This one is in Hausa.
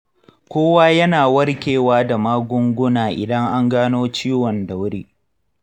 kowa yana warkewa da magunguna idan an gano ciwon da wuri.